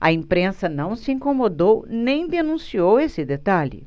a imprensa não se incomodou nem denunciou esse detalhe